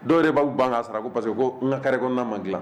Dɔw b'u ban' sara ko parce que ko n ka kɛrɛ ko n na man dilan